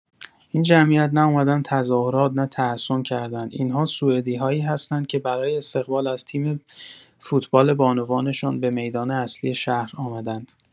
این جمعیت نه اومدن تظاهرات نه تحصن کردند، این‌ها سوئدی‌هایی هستند که برای استقبال از تیم فوتبال بانوان‌شان به میدان اصلی شهر آمدند.